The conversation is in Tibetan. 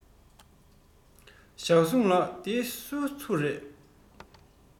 ཞའོ སུང ལགས འདི ཚོ སུའི རེད